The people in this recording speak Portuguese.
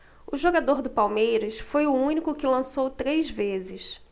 o jogador do palmeiras foi o único que lançou três vezes